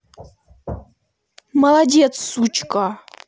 молодец сучка